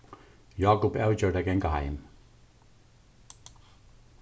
jákup avgjørdi at ganga heim